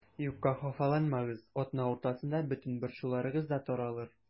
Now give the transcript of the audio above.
Юкка хафаланмагыз, атна уртасында бөтен борчуларыгыз да таралыр.